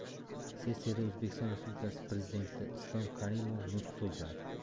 sessiyada o'zbekiston respublikasi prezidenti islom karimov nutq so'zladi